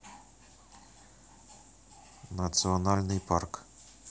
национальный парк